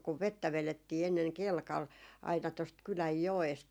kun vettä vedettiin ennen kelkalla aina tuosta kylän joesta